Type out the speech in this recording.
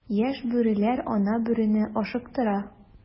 Яшь бүреләр ана бүрене ашыктыра.